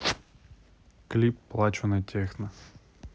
клип плачу на техно